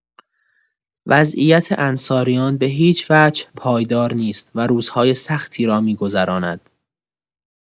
وضعیت انصاریان به‌هیچ‌وجه پایدار نیست و روزهای سختی را می‌گذراند.